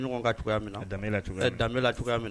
Ɲɔgɔn ka cogoya minna, dame la cogoya min na, ɛ dame la cogoya minna